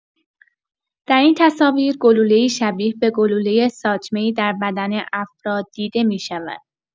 در این تصاویر گلوله‌ای شبیه به گلولۀ ساچمه‌ای در بدن افراد دیده می‌شود.